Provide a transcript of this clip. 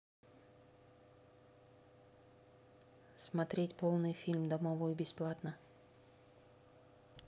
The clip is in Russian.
смотреть полный фильм домовой бесплатно